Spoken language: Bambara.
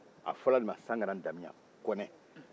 a fɔra a man sakara damiyan kɔnɛ